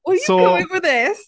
Where are you going with this?